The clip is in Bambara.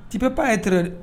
Tipibe pana yetɛɛrɛ dɛ